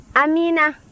amiina